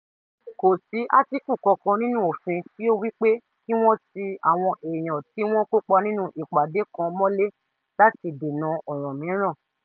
Kò sí átíkù kankan nínú òfin tí ó wí pé kí wọ́n ti àwọn èèyàn tí wọ́n kópa nínú ìpàdé kan mọ́lé láti dènà ọ̀ràn mìíràn.